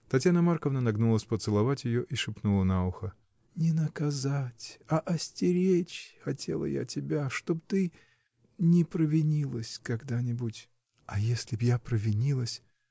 Татьяна Марковна нагнулась поцеловать ее и шепнула на ухо: — Не наказать, а остеречь хотела я тебя, чтоб ты. не провинилась когда-нибудь. — А если б я провинилась.